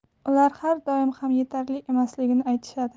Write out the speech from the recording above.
ular har doim ham etarli emasligini aytishadi